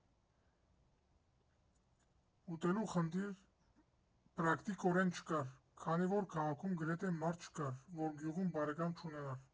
Ուտելու խնդիր պրակտիկորեն չկար, քանի որ քաղաքում գրեթե մարդ չկար, որ գյուղում բարեկամ չունենար։